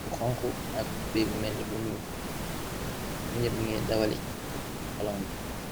bu xonku ak tubaye bu melne bu nuul nyep nugaye dawali balon bi.